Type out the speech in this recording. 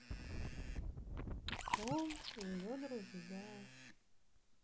том и ее друзья